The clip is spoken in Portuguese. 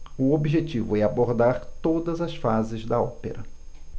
o objetivo é abordar todas as fases da ópera